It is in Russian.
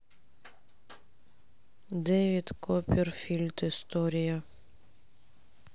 дэвид копперфильд история